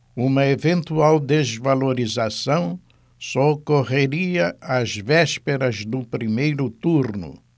uma eventual desvalorização só ocorreria às vésperas do primeiro turno